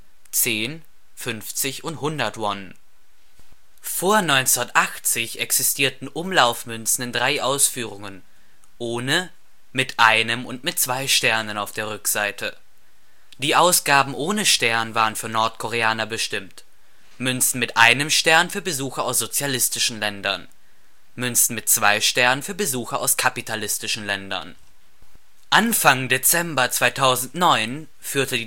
10, 50 und 100 Won. Die drei Varianten der 1-Chon-Münze Vor 1980 existierten Umlaufmünzen in drei Ausführungen: Ohne, mit einem und mit zwei Sternen auf der Rückseite. Die Ausgaben ohne Stern waren für Nordkoreaner bestimmt, Münzen mit einem Stern für Besucher aus sozialistischen Ländern, Münzen mit zwei Sternen für Besucher aus kapitalistischen Ländern. Anfang Dezember 2009 führte